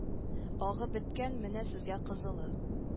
Агы беткән менә сезгә кызылы